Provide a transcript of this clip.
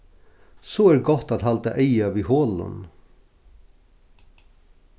so er gott at halda eyga við holum